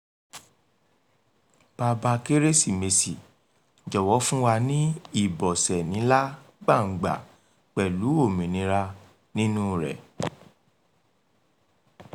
Bàba Kérésìmesì, jọ̀wọ́ fún mi ní ìbọsẹ̀ nílá gbàǹgbà pẹ̀lú òmìnira nínúu rẹ̀.